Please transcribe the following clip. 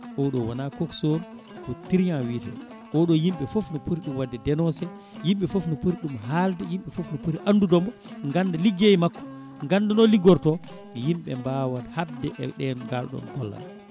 oɗo wona coxeur ko truand wiite oɗo yimɓe foof ne pooti ɗum wadde dénoncé yimɓe foof ne pooti ɗum haalde yimɓe foof ne pooti andudemo ganda ligguey makko ganda no liggorto yimɓe mbawa habde e ngal ɗon gollal